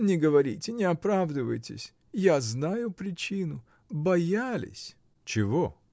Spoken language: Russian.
— Не говорите, не оправдывайтесь; я знаю причину: боялись. — Чего?